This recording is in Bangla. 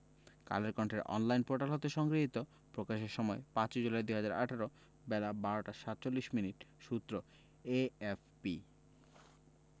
কালের কন্ঠের অনলাইন পোর্টাল হতে সংগৃহীত প্রকাশের সময় ৫ জুলাই ২০১৮ বেলা ১২টা ৪৭ মিনিট সূত্র এএফপি